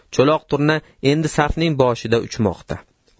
cho'loq turna endi safning boshida uchmoqda